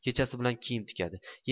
kechasi bilan kiyim tikadi